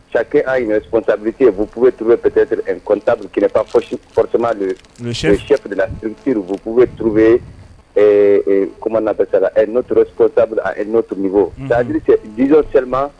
Sake'a yɛrɛtabisiep ppup tuptetabu kɛnɛpsi psitema de ssipla bisiriurbup ppuɛ tuuru bɛ koman na bɛ sa notourta n'oto bɔ sabise z serima